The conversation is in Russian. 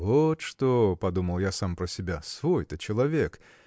Вот что, подумал я сам про себя, свой-то человек